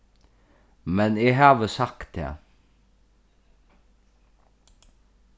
men eg havi sagt tað